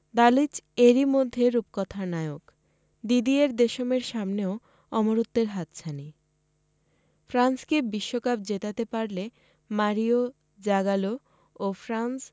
Dalic এরই মধ্যে রূপকথার নায়ক দিদিয়ের দেশমের সামনেও অমরত্বের হাতছানি ফ্রান্সকে বিশ্বকাপ জেতাতে পারলে মারিও জাগালো ও ফ্রাঞ্জ